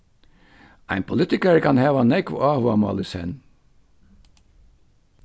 ein politikari kann hava nógv áhugamál í senn